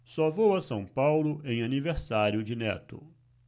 só vou a são paulo em aniversário de neto